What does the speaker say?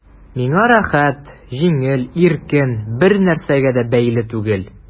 Миңа рәхәт, җиңел, иркен, бернәрсәгә дә бәйле түгел...